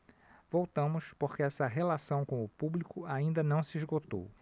voltamos porque essa relação com o público ainda não se esgotou